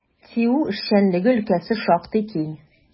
ТИҮ эшчәнлеге өлкәсе шактый киң.